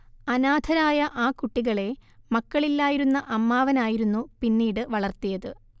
അനാഥരായ ആ കുട്ടികളെ മക്കളില്ലായിരുന്ന അമ്മാവനായിരുന്നു പിന്നീട് വളർത്തിയത്